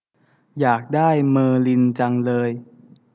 อยากได้เมอร์ลินจังเลย